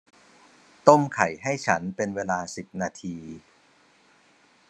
ต้มไข่ให้ฉันเป็นเวลาสิบนาที